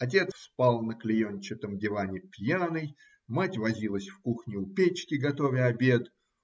Отец спал на клеенчатом диване пьяный, мать возилась в кухне у печки, готовя обед.